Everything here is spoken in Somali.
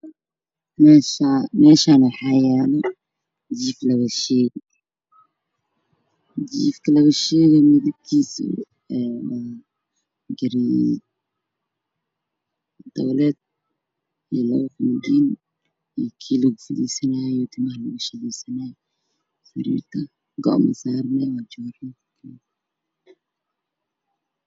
Meeshaa maxaa yeelo aqal laba sheey midabkiisu waxaa kale yaalo armaajo tabaleed xariirta go masaarno